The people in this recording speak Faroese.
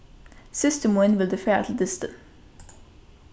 systir mín vildi fara til dystin